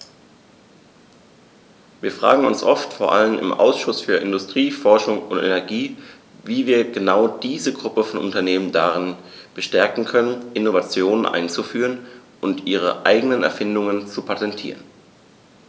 Wir fragen uns oft, vor allem im Ausschuss für Industrie, Forschung und Energie, wie wir genau diese Gruppe von Unternehmen darin bestärken können, Innovationen einzuführen und ihre eigenen Erfindungen zu patentieren.